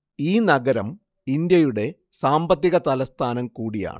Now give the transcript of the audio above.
ഈ നഗരം ഇന്ത്യയുടെ സാമ്പത്തിക തലസ്ഥാനം കൂടിയാണ്